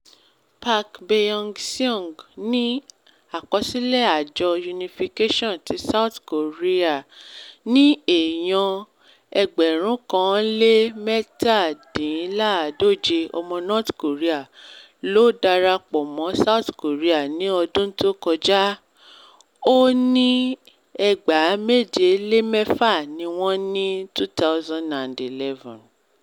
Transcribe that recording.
Park Byeong-seug ní àkọsílẹ̀ àjọ Unification ti South Korea ní èèyàn 1,127 ọmọ North Korea ló darapọ̀ mọ́ South Korea ní ọdún tó kọjá. Ó ní 2,706 ni wọ́n ní 2011.